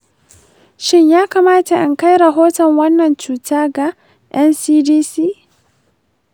shin ya kamata in kai rahoton wannan cuta ga ncdc?